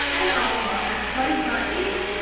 Helo a chroeso i...